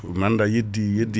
mi anda yeddi yeddi